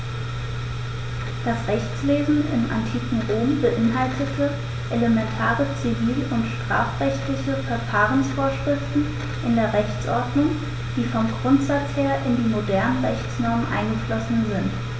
Das Rechtswesen im antiken Rom beinhaltete elementare zivil- und strafrechtliche Verfahrensvorschriften in der Rechtsordnung, die vom Grundsatz her in die modernen Rechtsnormen eingeflossen sind.